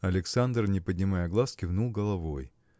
Александр, не поднимая глаз, кивнул головой.